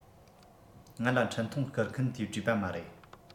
ང ལ འཕྲིན ཐུང བསྐུར མཁན དེས བྲིས པ མ རེད